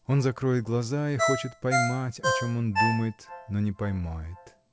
Он закроет глаза и хочет поймать, о чем он думает, но не поймает